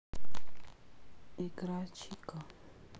игра чика